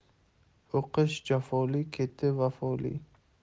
o'qish jafoli keti vafoli